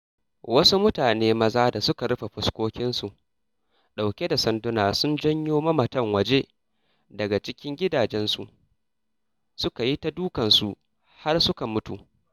Waɗansu mutane maza da suka rufe fuskokinsu ɗauke da sanduna sun janyo mamatan waje daga cikin gidajensu suka yi ta dukansu har suka mutu.